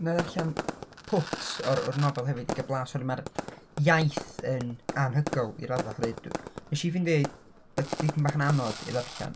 Nai ddarllan pwt o'r o'r nofel hefyd i gael blas oherwydd mae'r iaith yn anhygoel i raddau oherwydd dwi... nes i ffeindio hi dipyn bach yn anodd i ddarllen